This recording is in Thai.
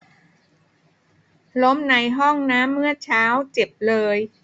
ล้มในห้องน้ำเมื่อเช้าเจ็บเลย